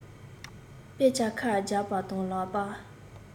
དཔེ ཆ ཁ བརྒྱབ པ དང ལག པ